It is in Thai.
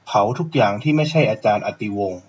เผาทุกอย่างที่ไม่ใช่อาจารย์อติวงศ์